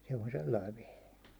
se on sellainen vehje